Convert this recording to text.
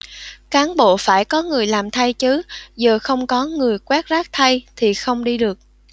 cán bộ phải có người làm thay chứ giờ không có người quét rác thay thì không đi được